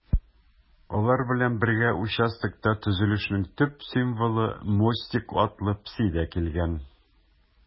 Алар белән бергә участокта төзелешнең төп символы - Мостик атлы песи дә килгән.